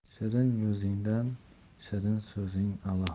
shirin yuzingdan shirin so'zing a'lo